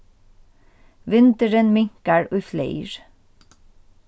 vindurin minkar í fleyr